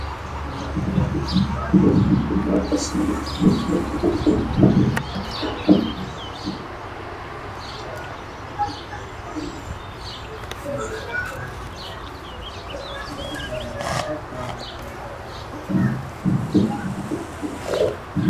Shan waxa ay iga muuqdo afar saako oo boom-bari ku jiro